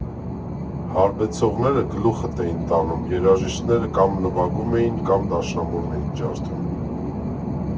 Հարբեցողները գլուխդ էին տանում, երաժիշտները կամ նվագում էին, կամ դաշնամուրն էին ջարդում։